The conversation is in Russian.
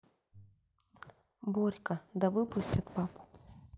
борька да выпустят папу